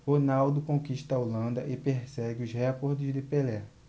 ronaldo conquista a holanda e persegue os recordes de pelé